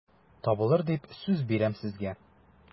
Табылыр дип сүз бирәм сезгә...